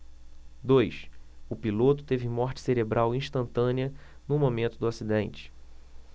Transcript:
dois o piloto teve morte cerebral instantânea no momento do acidente